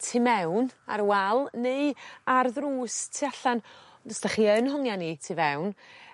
tu mewn ar wal neu ar ddrws tu allan ond os 'dach chi yn hongian 'i tu fewn